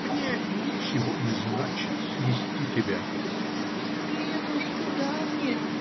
Мне ничего не значит снести тебя. – Нет уж, куда мне!